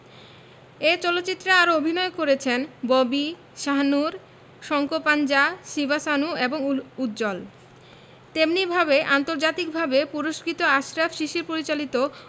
এ চলচ্চিত্রে আরও অভিনয় করেছেন ববি শাহনূর সঙ্কোপাঞ্জা শিবা সানু এবং উজ্জ্বল তেমনিভাবে আন্তর্জাতিকভাবে পুরস্কৃত আশরাফ শিশির পরিচালিত